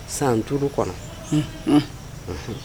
San 5 kɔnɔ Unhun